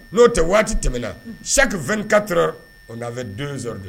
N'o tɛ waati tɛmɛna sakifɛnkate o nafɛ don sɔrɔ de